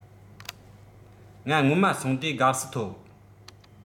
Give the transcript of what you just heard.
ང སྔོན མ སོང དུས དགའ བསུ ཐོབ